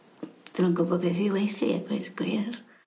dim yn gwdbo beth i weu' 'thi a gweud y gwir.